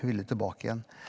hun ville tilbake igjen.